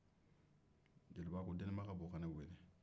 jeliba ko